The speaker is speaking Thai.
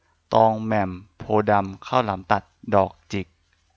ตองแหม่มโพธิ์ดำข้าวหลามตัดดอกจิก